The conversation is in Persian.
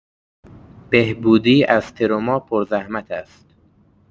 بهبودی از تروما پرزحمت است.